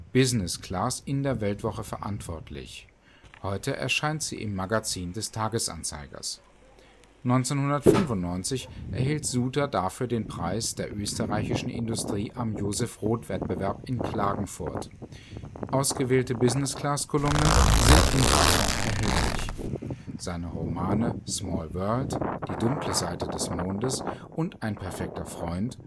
Business Class in der Weltwoche verantwortlich, heute erscheint sie im Magazin des Tages-Anzeigers. 1995 erhielt Suter dafür den Preis der österreichischen Industrie am Joseph Roth-Wettbewerb in Klagenfurt. Ausgewählte Business-Class-Kolumnen sind in Buchform erhältlich. Seine Romane Small World, Die dunkle Seite des Mondes und Ein perfekter Freund